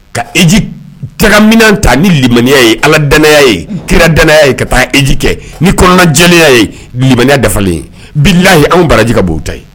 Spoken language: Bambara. Ka eji tagamin ta nilibya ye aladya ye kira daya ye ka taa eji kɛ ni kɔnɔnajaya yelibya dafalen bila ye anw baraji ka' ta ye